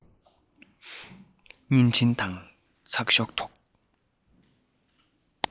བརྙན འཕྲིན དང ཚགས ཤོག ཐོག